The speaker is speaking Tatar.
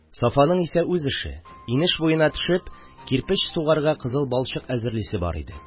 Сафаның исә үз эше – инеш буена төшеп, кирпеч сугарга кызыл балчык әзерлисе бар иде.